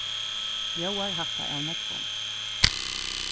ljóðar hatta av nógvum